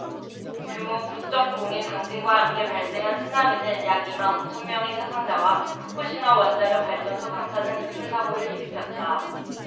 규모 구 쩜 공 의 강진과 함께 발생한 쓰나미는 약 이 만 오천 명의 사상자와 후쿠시마 원자력발전소 방사능 누출 사고를 일으켰다